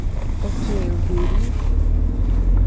ок убери